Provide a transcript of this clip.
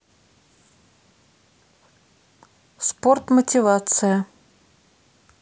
спорт мотивация